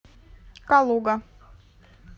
калуга